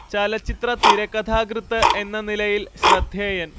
ചലച്ചിത്ര തിരക്കഥാകൃത്ത് എന്ന നിലയിൽ ശ്രദ്ധേയൻ